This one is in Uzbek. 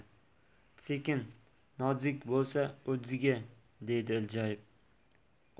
tsekin nodzik bo'tsa o'dziga deydi iljayib